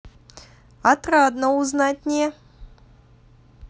отрадно узнать не